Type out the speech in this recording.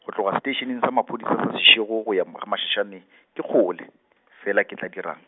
go tloga seteišeneng sa maphodisa sa Seshego go ya gaMashashane, ke kgole , fela ke tla dirang.